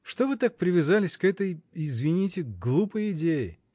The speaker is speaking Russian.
— Что вы так привязались к этой. извините. глупой идее?